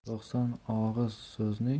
to'qson og'iz so'zning